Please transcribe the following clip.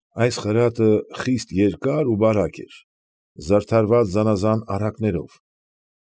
Այս խրատը խիստ երկար ու բարակ էր, զարդարված զանազան առակներով։